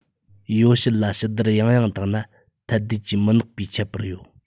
ཡོ བྱད ལ ཕྱི བདར ཡང ཡང བཏང ན ཐལ རྡུལ གྱིས མི ནོག པའི ཁྱད ཡོད